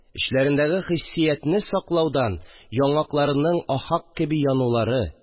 Эчләрендәге хиссиятне саклаудан яңакларының ахак кеби янулары